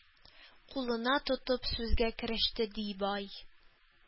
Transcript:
Кулына тотып сүзгә кереште, ди, бай: